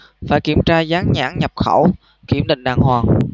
phải kiểm tra dán nhãn nhập khẩu kiểm định đàng hoàng